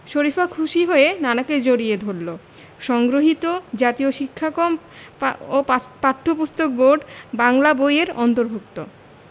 শরিফা খুশি হয়ে নানাকে জড়িয়ে ধরল সংগ্রহীত জাতীয় শিক্ষাক্রম ও পাঠ্যপুস্তক বোর্ড বাংলা বই এর অন্তর্ভুক্ত